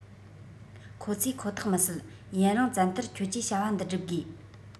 ཁོ ཚོས ཁོ ཐག མི སྲིད ཡུན རིང བཙལ མཐར ཁྱོད ཀྱིས བྱ བ འདི བསྒྲུབ དགོས